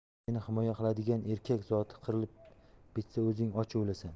agar seni himoya qiladigan erkak zoti qirilib bitsa o'zing o'ch olasan